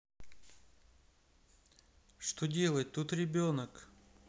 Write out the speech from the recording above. что делать тут ребенок